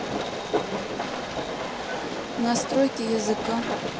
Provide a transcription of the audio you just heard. настройки языка